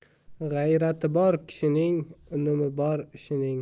g'ayrati bor kishining unumi bor ishining